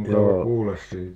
mukava kuulla siitä